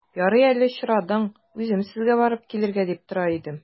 Ярый әле очрадың, үзем сезгә барып килергә дип тора идем.